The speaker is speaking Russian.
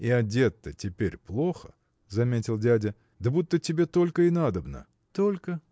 – И одет-то теперь плохо, – заметил дядя. – Да будто тебе только и надобно? – Только.